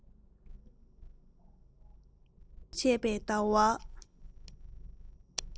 རྟོག བཟོ བྱས པའི ཟླ བ